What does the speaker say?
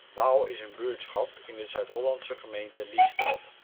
Waal is een buurtschap in de Zuid-Hollandse gemeente Liesveld